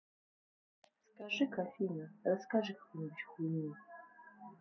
скажи ка афина расскажи какую нибудь хуйню